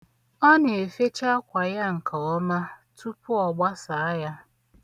Ọ na-efecha akwa ya nke ọma tupu ọ gbasaa ya.